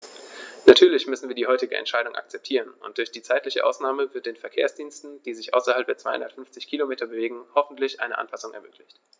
Natürlich müssen wir die heutige Entscheidung akzeptieren, und durch die zeitliche Ausnahme wird den Verkehrsdiensten, die sich außerhalb der 250 Kilometer bewegen, hoffentlich eine Anpassung ermöglicht.